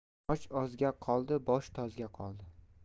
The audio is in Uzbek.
osh ozga qoldi bosh tozga qoldi